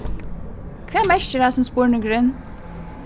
hvat merkir hasin spurningurin